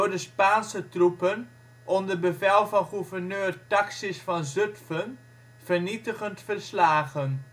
de Spaanse troepen onder bevel van Gouverneur Taxis van Zutphen, vernietigend verslagen